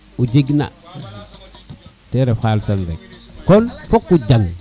o jeg na te ref xalis nan ne rek kon foko jango